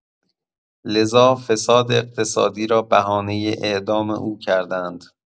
لذا فساد اقتصادی را بهانه اعدام او کرده‌اند.